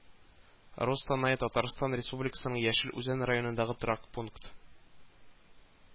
Рус Танае Татарстан Республикасының Яшел Үзән районындагы торак пункт